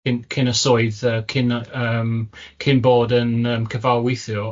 cyn cyn y swydd, yym cyn y yym, cyn bod yn yym cyfarwyddwr.